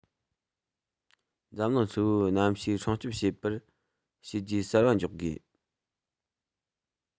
འཛམ གླིང ཧྲིལ པོའི གནམ གཤིས སྲུང སྐྱོང བྱེད པར བྱས རྗེས གསར པ འཇོག དགོས